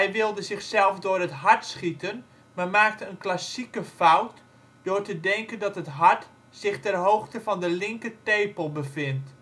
wilde zichzelf door het hart schieten, maar maakte een klassieke fout door te denken dat het hart zich ter hoogte van de linkertepel bevindt